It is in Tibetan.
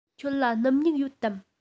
ཁྱོད ལ སྣུམ སྨྱུག ཡོད དམ